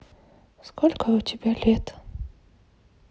сколько у тебя лет